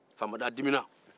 faama da dimina